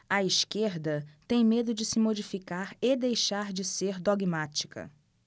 a esquerda tem medo de se modificar e deixar de ser dogmática